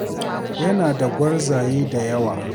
Yana da gwarzaye da yawa.